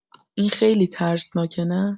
این خیلی ترسناکه نه؟